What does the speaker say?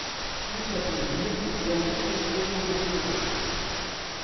isso é proibido e é um desrespeito ao consumidor